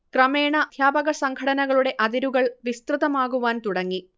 ക്രമേണ അധ്യാപകസംഘടനകളുടെ അതിരുകൾ വിസ്തൃതമാകുവാൻ തുടങ്ങി